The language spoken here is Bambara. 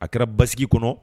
A kɛra basisigi kɔnɔ